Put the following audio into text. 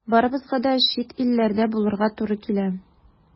Барыбызга да чит илләрдә булырга туры килә.